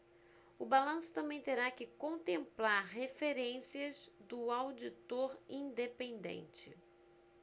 o balanço também terá que contemplar referências do auditor independente